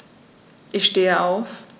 Ich stehe auf.